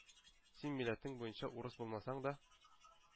Син милләтең буенча урыс булмасаң да,